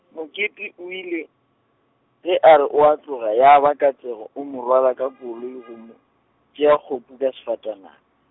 Mokete o ile, ge a re o a tloga ya ba Katlego o mo rwala ka koloi go mo, tšea kgopu ka sefatanaga.